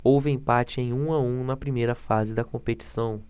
houve empate em um a um na primeira fase da competição